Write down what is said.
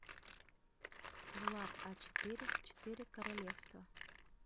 влад а четыре четыре королевства